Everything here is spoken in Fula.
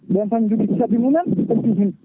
ɓen tan jogui ko cabbi mumen *